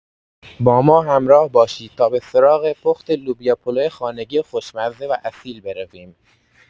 با ما همراه باشید تا به سراغ پخت لوبیا پلو خانگی خوشمزه و اصیل برویم.